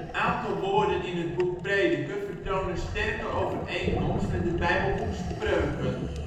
aantal woorden in het boek Prediker vertonen sterke overeenkomst met het Bijbelboek Spreuken